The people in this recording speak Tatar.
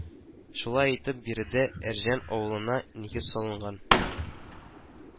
Шулай итеп, биредә Әрҗән авылына нигез салынган